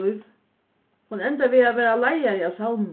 hon endar við at verða leiðari av savninum